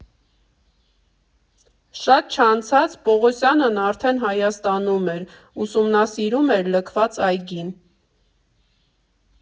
Շատ չանցած Պողոսյանն արդեն Հայաստանում էր, ուսումնասիրում էր լքված այգին։